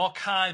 O caem.